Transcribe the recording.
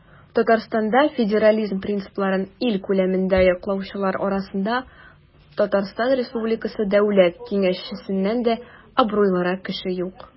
Татарстанда федерализм принципларын ил күләмендә яклаучылар арасында ТР Дәүләт Киңәшчесеннән дә абруйлырак кеше юк.